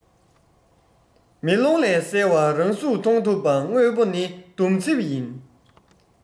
མེ ལོང ལས གསལ བ རང གཟུགས མཐོང ཐུབ པ དངོས པོ ནི སྡོམ ཚིག ཡིན